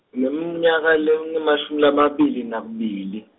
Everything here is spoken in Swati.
ngineminyaka lengemashumi lamabili nakubili.